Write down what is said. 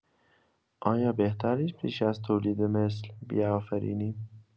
آیا بهتر نیست پیش از تولیدمثل، بیافرینیم؟